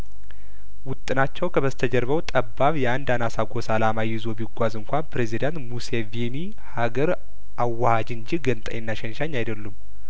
ውጥ ናቸው ከበስተ ጀርባው ጠባብ የአንድ አናሳ ጐሳ አላማ ይዞ ቢጓዝ እንኳን ፕሬዚዳንት ሙሴቪኒ ሀገር አዋሀጅ እንጂ ገንጣይና ሸንሻኝ አይደሉም